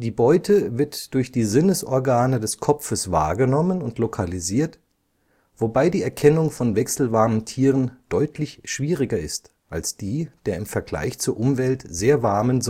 Beute wird durch die Sinnesorgane des Kopfes wahrgenommen und lokalisiert, wobei die Erkennung von wechselwarmen Tieren deutlich schwieriger ist als die der im Vergleich zur Umwelt sehr warmen